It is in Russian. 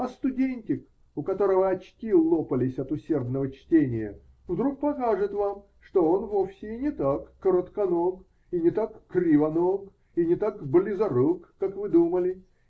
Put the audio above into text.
А студентик, у которого очки лопались от усердного чтения, вдруг покажет вам, что он вовсе и не так коротконог, и не так кривоног, и не так близорук, как вы думали.